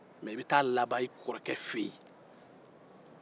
mɛ i bɛ taa laban i kɔrɔke fɛ yen